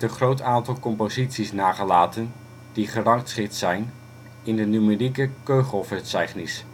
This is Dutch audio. groot aantal composities nagelaten die gerangschikt zijn in de numerieke Köchel-Verzeichnis